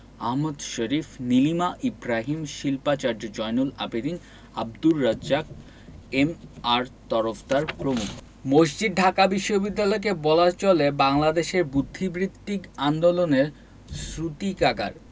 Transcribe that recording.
আহমদ শরীফ নীলিমা ইব্রাহীম শিল্পাচার্য জয়নুল আবেদীন আবদুর রাজ্জাক এম.আর তরফদার প্রমুখ মসজিদ ঢাকা বিশ্ববিদ্যালয়কে বলা চলে বাংলাদেশের বুদ্ধিবৃত্তিক আন্দোলনের শ্রুতিকাগার